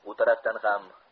u tarafdan ham